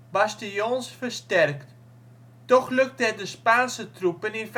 bastions versterkt. Toch lukte het de Spaanse troepen in